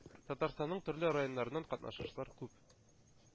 Татарстанның төрле районнарыннан катнашучылар күп.